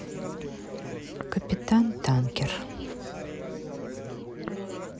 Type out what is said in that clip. капитан танкер